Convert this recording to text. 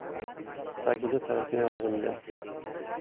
tagida ta'ziya yozilgan